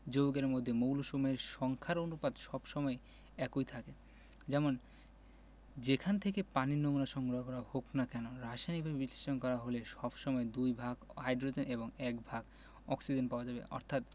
যৌগের মধ্যে মৌলসমূহের সংখ্যার অনুপাত সব সময় একই থাকে যেমন যেখান থেকেই পানির নমুনা সংগ্রহ করা হোক না কেন রাসায়নিকভাবে বিশ্লেষণ করা হলে সব সময় দুই ভাগ হাইড্রোজেন এবং এক ভাগ অক্সিজেন পাওয়া যাবে